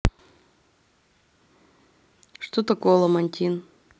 что такое ламантин